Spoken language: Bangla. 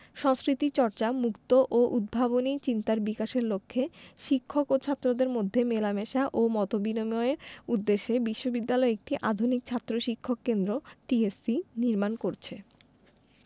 সংস্কৃতিচর্চা মুক্ত ও উদ্ভাবনী চিন্তার বিকাশের লক্ষ্যে শিক্ষক ও ছাত্রদের মধ্যে মেলামেশা ও মত বিনিময়ের উদ্দেশ্যে বিশ্ববিদ্যালয় একটি আধুনিক ছাত্র শিক্ষক কেন্দ্র টিএসসি নির্মাণ করছে